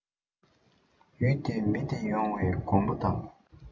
ཡུལ བདེ མི བདེ ཡོང བའི དགོངས པ དང